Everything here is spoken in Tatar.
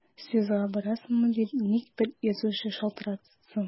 Съездга барасыңмы дип ник бер язучы шалтыратсын!